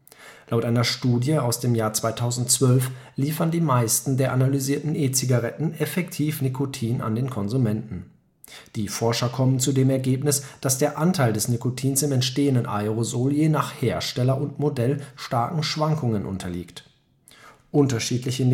Laut einer Studie aus dem Jahr 2012 liefern die meisten der analysierten E-Zigaretten effektiv Nikotin an den Konsumenten. Die Forscher kommen zu dem Ergebnis, dass der Anteil des Nikotins im entstehenden Aerosol je nach Hersteller und Modell starken Schwankungen unterliegt. Unterschiedliche